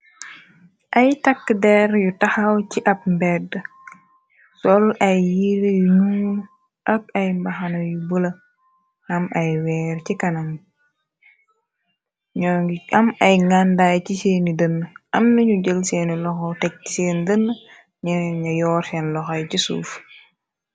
ay takk deer yu taxaw ci ab mberd sol ay yiire yu ñuun ak ay mbaxana yu bula am ay weer ci kanam ñoo ngi am ay ngàndaay ci seeni dën am nañu jël seeni loxo teg ci seen dën ñene na yoor seen loxay ci suuf